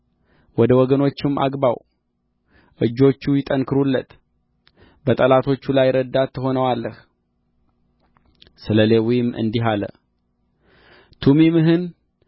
ወደ ወገኖቹም አግባው እጆቹ ይጠንክሩለት በጠላቶቹ ላይ ረዳት ትሆነዋለህ ስለ ሌዊም እንዲህ አለ ቱሚምህና